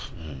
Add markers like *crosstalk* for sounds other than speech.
*hesitation*